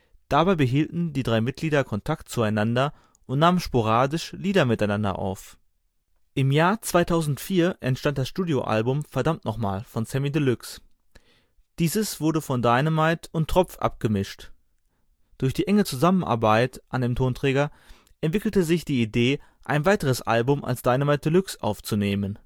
Dabei behielten die drei Mitglieder Kontakt zueinander und nahmen sporadisch Lieder miteinander auf. Im Jahr 2004 entstand das Studioalbum Verdammtnochma von Samy Deluxe. Dieses wurde von Dynamite und Tropf abgemischt. Durch die enge Zusammenarbeit an dem Tonträger, entwickelte sich die Idee ein weiteres Album als Dynamite Deluxe aufzunehmen